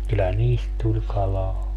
kyllä niistä tuli kalaa